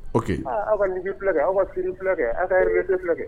Aw ka ni bila kɛ aw ka fini fila kɛ aw ka yɛrɛ fila kɛ